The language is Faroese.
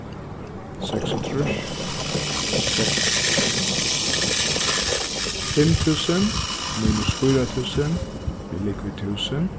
seksogtrýss seksogtrýss fimm túsund minus fýra túsund er ligvið túsund